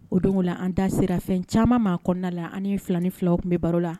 O don la an da sirafɛn caman maa kɔnɔna la an ye filani filaw tun bɛ baro la